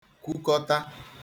kwukọta